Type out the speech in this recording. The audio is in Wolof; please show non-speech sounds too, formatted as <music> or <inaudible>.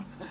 <hesitation>